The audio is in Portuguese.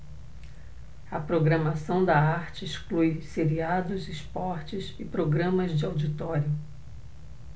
a programação da arte exclui seriados esportes e programas de auditório